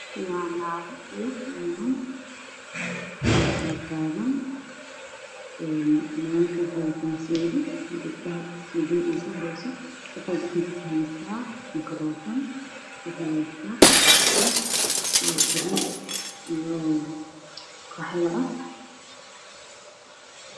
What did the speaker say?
wa nago iyo Niman oo tag tagan nimanku waxay watan sudad gabdhaha gabadha uso horeyso waxay gacanta kuhaysa makarofan waxa wadata garbasar oo gadud ah iyo qax wa ah